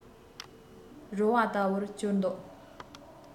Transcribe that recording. རོལ བ ལྟ བུར གྱུར འདུག